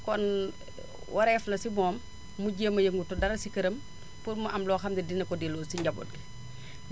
kon wareef la si moom mu jéem a yëngatu dara si këram pour mu am loo xam ne dina ko delloo si njaboot gi